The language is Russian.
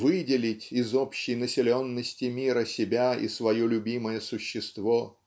выделить из общей населенности мира себя и свое любимое существо